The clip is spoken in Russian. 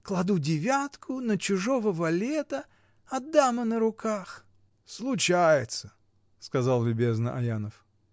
Кладу девятку на чужого валета, а дама на руках. — Случается! — сказал любезно Аянов.